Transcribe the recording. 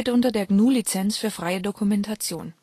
unter der GNU Lizenz für freie Dokumentation